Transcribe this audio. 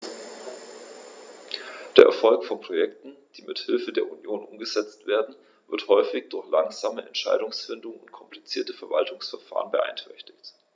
Der Erfolg von Projekten, die mit Hilfe der Union umgesetzt werden, wird häufig durch langsame Entscheidungsfindung und komplizierte Verwaltungsverfahren beeinträchtigt.